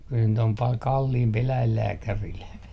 kyllä nyt on paljon kalliimpi eläinlääkärillä